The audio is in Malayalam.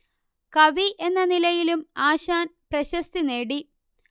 കവി എന്ന നിലയിലും ആശാൻ പ്രശസ്തി നേടി